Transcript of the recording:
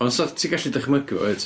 Ond 'sa... ti'n gallu dychmygu fo, wyt?